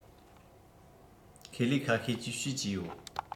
ཁེ ལས ཁ ཤས ཀྱིས བཤས ཀྱི ཡོད